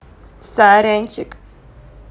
сорянчик